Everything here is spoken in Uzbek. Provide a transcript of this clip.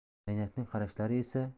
zaynabning qarashlari esa